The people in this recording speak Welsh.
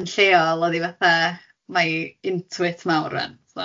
yn lleol oedd hi fatha, mae into it mawr rŵan so.